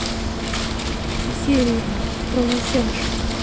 все серии про лосяша